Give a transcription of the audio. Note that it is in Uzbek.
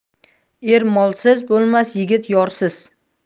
er molsiz bo'lmas yigit yorsiz